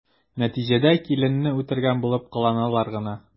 Нәтиҗәдә киленне үтергән булып кыланалар гына.